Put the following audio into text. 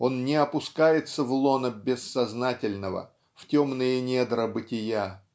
Он не опускается в лоно бессознательного, в темные недра бытия